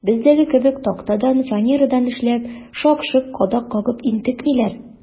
Бездәге кебек тактадан, фанерадан эшләп, шак-шок кадак кагып интекмиләр.